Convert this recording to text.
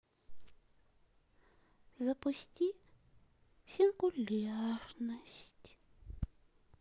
запусти сингулярность